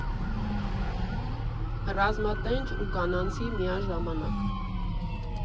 Ռազմատենչ ու կանացի միաժամանակ։